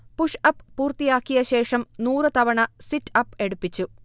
push up പൂർത്തിയാക്കിയ ശേഷം നൂറു തവണ സിറ്റ്അപ് എടുപ്പിച്ചു